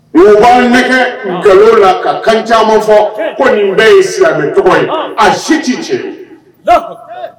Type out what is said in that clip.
U b'aw nɛgɛ nkalon la, ka kan caman fɔ, ko nin bɛɛ ye silamɛ tɔgɔ ye a si tɛ tiɲɛ ye, Alahu akbar